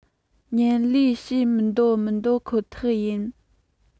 མཉམ གླས བྱེད མི འདོད མི འདོད ཁོ ཐག ཡིན